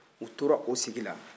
u tora o sigi la